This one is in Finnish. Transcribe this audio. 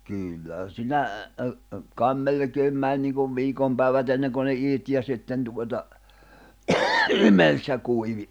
kyllähän siinä -- kai melkein meni niin kuin viikon päivät ennen kuin ne iti ja sitten tuota imelsi ja kuivui